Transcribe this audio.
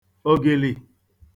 ògìlì